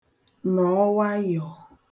nọ̀ọ wayọ̀